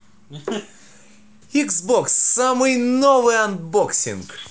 xbox самый новый анбоксинг